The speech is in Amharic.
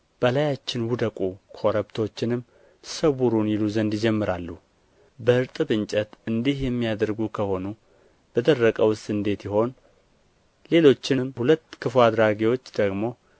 በላያችን ውደቁ ኮረብቶችንም ሰውሩን ይሉ ዘንድ ይጀምራሉ በእርጥብ እንጨት እንዲህ የሚያደርጉ ከሆኑ በደረቀውስ እንዴት ይሆን ሌሎችንም ሁለት ክፉ አድራጊዎች ደግሞ